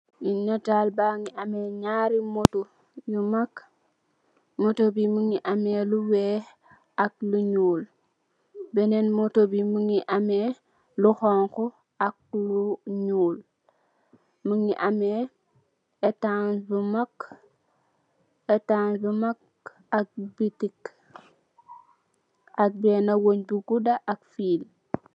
Netal ba ngi ameh nyari moto yu mak, moto bi mu ngi ameh lu weh ak lu nyul benen moto bi mu ngi ameh lu honhu ak lu nyul. Mu ngi ameh etass bumak ak butik ak bena weng bu guda ak fiil